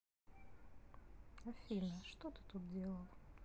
афина что ты тут делал